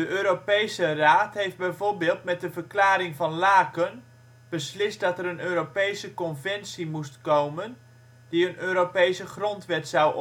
Europese Raad heeft bijvoorbeeld met de Verklaring van Laken beslist dat er een Europese Conventie moest komen die een Europese Grondwet zou opstellen